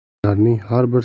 ularning har bir